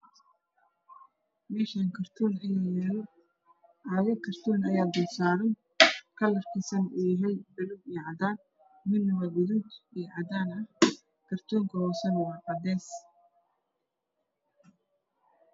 Meshan kardon aya yalo cagag karton ah aya dulsaran kalarkis oow yahay baluug io cadan midna waa gaduud io cadan ah kartonka hose waa cades